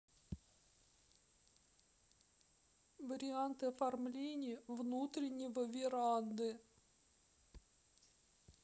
варианты оформления внутреннего веранды